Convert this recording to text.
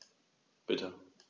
Bitte.